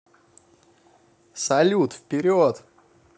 салют вперед